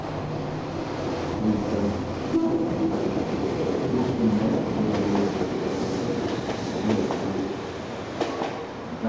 býta hvussu nógv blívur ganga